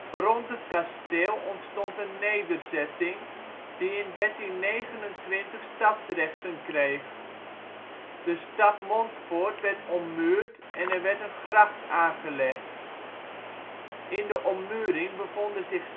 Rond het kasteel ontstond een nederzetting, die in 1329 stadsrechten kreeg. De stad Montfoort werd ommuurd en er werd een gracht aangelegd. In de ommuring bevonden zich